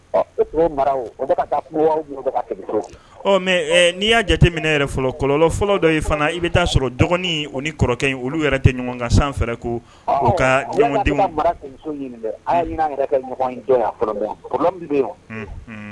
N'i y'a jateminɛfɔlɔ dɔ fana i bɛ taa sɔrɔ dɔgɔnin ni kɔrɔkɛ olu yɛrɛ tɛ ɲuman san fɛ ko kadenw